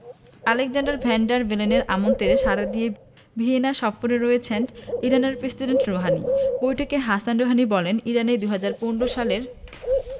Alexander van der বেলেনের আমন্ত্রণে সাড়া দিয়ে ভিয়েনা সফরে রয়েছেন ইরানের প্রেসিডেন্ট রুহানি বৈঠকে হাসান রুহানি বলেন ইরান ২০১৫ সালের